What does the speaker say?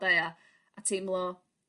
'de a a teimlo